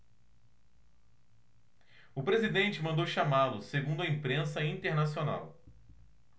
o presidente mandou chamá-lo segundo a imprensa internacional